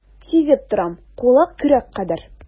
Сизеп торам, кулы көрәк кадәр.